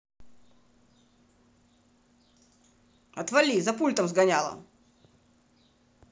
отвали за пультом сгоняла